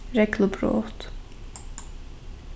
reglubrot